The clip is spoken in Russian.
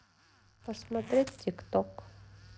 посмотреть тик ток